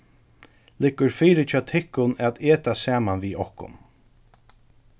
liggur fyri hjá tykkum at eta saman við okkum